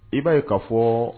I b'a ka fɔ